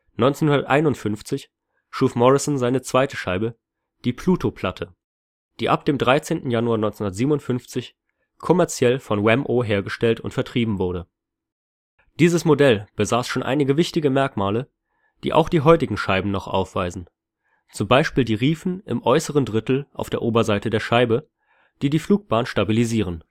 1951 schuf Morrison seine zweite Scheibe, die „ Pluto-Platte “, die ab dem 13. Januar 1957 kommerziell von Wham-O hergestellt und vertrieben wurde. Dieses Modell besaß schon einige wichtige Merkmale, die auch die heutigen Scheiben noch aufweisen, zum Beispiel die Riefen im äußeren Drittel auf der Oberseite der Scheibe, die die Flugbahn stabilisieren